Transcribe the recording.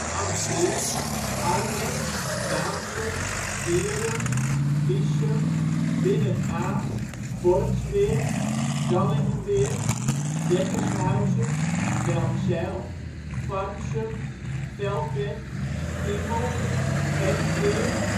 Amsweer, Arwerd, Baamsum, Bierum, Biessum, Binnen Ae, Borgsweer, Dallingeweer, Dekkershuizen, Delfzijl, Farmsum, Feldwerd, Fiemel, Geefsweer